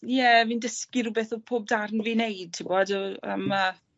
ie fi'n dysgu rwbeth o pob darn fi'n neud t'bod o a ma'